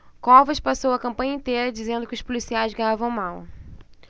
covas passou a campanha inteira dizendo que os policiais ganhavam mal